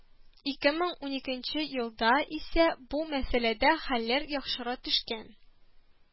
Ике мең уникенче елда исә бу мәсьәләдә хәлләр яхшыра төшкән